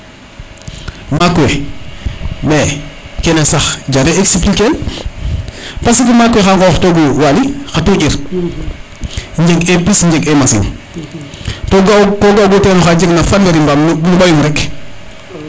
maak we me kene sax jare expliquer el parce que maaak we xa ngoox togu Waly xa tuuƴir njeg e pis njeg e machine ko ko ga ogu ten oxa jeg na fanweri mbam no ɓayum rek